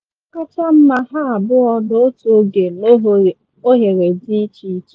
Ọ kacha mma ha abụọ n’otu oge n’oghere dị iche iche.